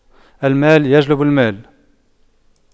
المال يجلب المال